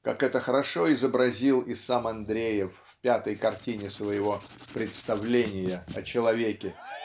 как это хорошо изобразил и сам Андреев в пятой картине своего "представления" о человеке